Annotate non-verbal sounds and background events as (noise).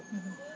(hesitation) (hesitation)